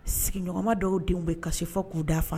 Sigiɲɔgɔnma dɔw denw be kasi fɔ k'u da fa